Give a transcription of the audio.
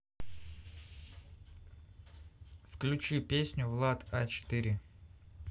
включи песню влад а четыре